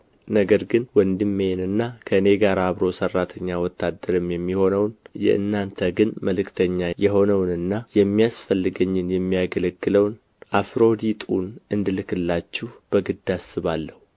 ነገር ግን ወንድሜንና ከእኔ ጋር አብሮ ሠራተኛ ወታደርም የሚሆነውን የእናንተ ግን መልእክተኛ የሆነውና የሚያስፈልገኝን የሚያገለግለውን አፍሮዲጡን እንድልክላችሁ በግድ አስባለሁ